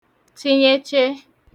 tinyeche